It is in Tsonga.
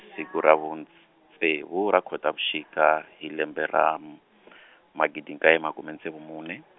siku ra vu nts- ntsevu ra Khotavuxika hi lembe ra m- , magidi nkaye makume ntsevu mune.